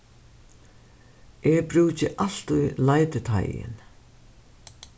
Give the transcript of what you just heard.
eg brúki altíð leititeigin